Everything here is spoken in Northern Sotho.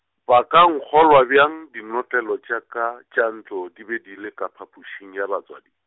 ba ka nkgolwa bjang, dinotlelo tša ka, tša ntlo, di be di le ka phapošing ya batswadi?